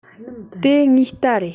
དེ ངའི རྟ རེད